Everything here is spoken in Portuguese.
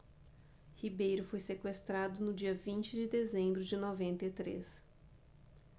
ribeiro foi sequestrado no dia vinte de dezembro de noventa e três